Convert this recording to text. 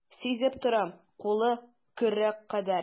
Сизеп торам, кулы көрәк кадәр.